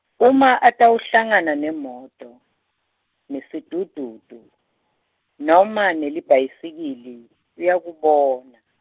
uma utawuhlangana nemoto, nesidududu, noma nelibhayisikili uyakubona.